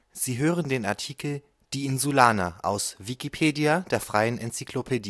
Sie hören den Artikel Die Insulaner, aus Wikipedia, der freien Enzyklopädie